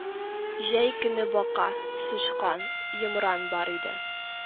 Җәй көне бака, сычкан, йомран бар иде